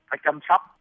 phải chăm sóc